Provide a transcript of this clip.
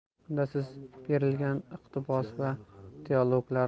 unda siz berilgan iqtibos va dialoglar